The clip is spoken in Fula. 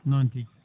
noon tigui